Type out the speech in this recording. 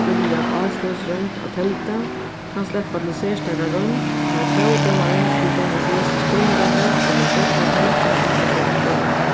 skrivliga ástøðisroynd á teldu kann sleppa til serstaka roynd har próvdómarin til dømis lesur spurningarnar ella steðgar telduni millum hvønn spurning